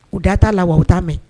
U da ta la u ta mɛn